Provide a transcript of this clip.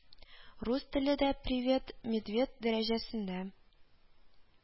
Рус теле дә превед, медвед дәрәҗәсендә